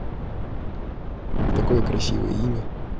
такое красивое имя